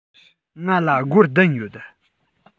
ང ལ སྒོར བདུན ཡོད